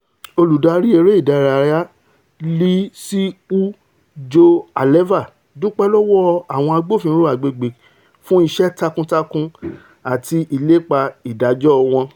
Olùdarí eré ìdárayá LSU Joe Alleva dúpẹ́ lọ́wọ́ àwọn agbófinró agbègbè fún ''iṣẹ́ takun-takun àti ilépa ìdájọ́'' wọn.